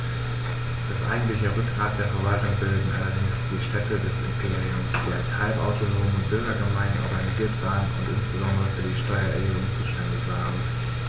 Das eigentliche Rückgrat der Verwaltung bildeten allerdings die Städte des Imperiums, die als halbautonome Bürgergemeinden organisiert waren und insbesondere für die Steuererhebung zuständig waren.